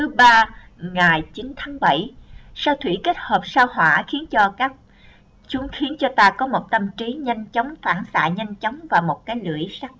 hôm nay thứ ba ngày tháng sao thủy kết hợp sao hỏa khiến cho ta có một tâm trí nhanh chóng phản xạ nhanh chóng và một cái lưỡi sắc nét